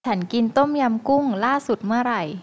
ฉันกินต้มยำกุ้งล่าสุดเมื่อไหร่